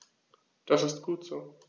Das ist gut so.